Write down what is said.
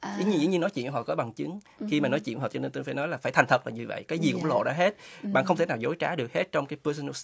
dĩ nhiên nói chuyện với họ có bằng chứng khi mình nói chuyện với họ cho nên tôi phải nói là phải thành thật mà như vậy cái gì cũng lộ ra hết bạn không thể nào dối trá được hết trong bơ si nô